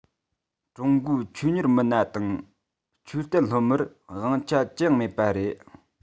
ཀྲུང གོའི ཆོས གཉེར མི སྣ དང ཆོས དད སློབ མར དབང ཆ ཅི ཡང མེད པ རེད